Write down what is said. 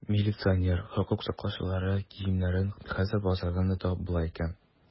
Милиционер, хокук сакчылары киемнәрен хәзер базардан да табып була икән.